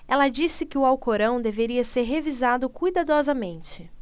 ela disse que o alcorão deveria ser revisado cuidadosamente